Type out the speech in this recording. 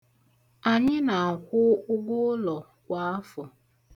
Anyị na-akwụ ụgwụ ụlọ kwa afọ.